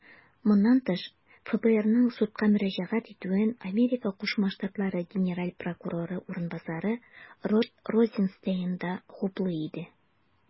Моннан тыш, ФБРның судка мөрәҗәгать итүен АКШ генераль прокуроры урынбасары Род Розенстейн да хуплый иде.